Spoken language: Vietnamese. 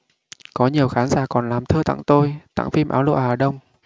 có nhiều khán giả còn làm thơ tặng tôi tặng phim áo lụa hà đông